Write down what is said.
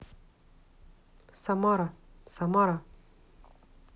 самара самара